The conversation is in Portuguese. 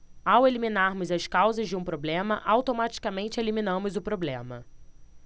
ao eliminarmos as causas de um problema automaticamente eliminamos o problema